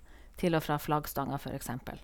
Til og fra flaggstanga, for eksempel.